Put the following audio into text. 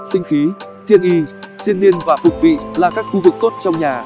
sinh khí thiên y diên niên và phục vị là các khu vực tốt trong nhà